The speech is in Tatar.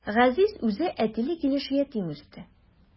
Газиз үзе әтиле килеш ятим үсте.